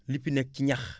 li fi nekk si ñax